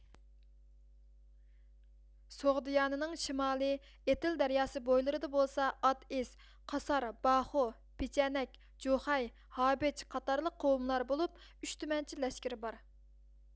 سوغدىيانىنىڭ شىمالى ئېتىل دەرياسى بويلىرىدا بولسا ئاتېئىز قاسار باخۇ پېچەنەك جۇخەي ھابېچقاتارلىق قوۋملار بولۇپ ئۈچ تۈمەنچە لەشكىرى بار